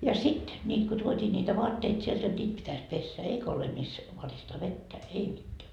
ja sitten niitä kun tuotiin niitä vaatteita sieltä jotta niitä pitäisi pestä eikä ole missä varistaa vettä ei mitään